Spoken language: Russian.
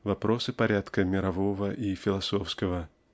вопросы порядка мирового и философского.